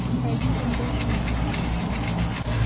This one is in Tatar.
Әби эндәшми, карап кына тора.